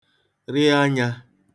rị anyā